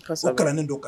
Ko kalan don kan